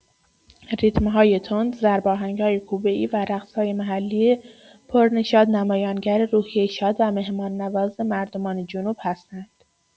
ریتم‌های تند، ضرباهنگ‌های کوبه‌ای و رقص‌های محلی پرنشاط نمایانگر روحیه شاد و مهمان‌نواز مردمان جنوب هستند.